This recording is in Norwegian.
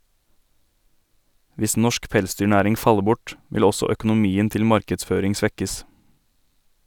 Hvis norsk pelsdyrnæring faller bort, vil også økonomien til markedsføring svekkes.